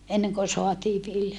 ennen kuin saatiin vilja